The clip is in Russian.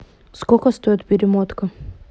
сколько стоит перемотка